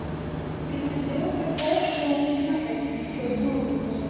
афина а дело такое что я узнал что алиса тебя дура знает